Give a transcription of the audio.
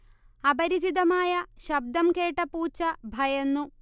അപരിചിതമായ ശബ്ദം കേട്ട പൂച്ച ഭയന്നു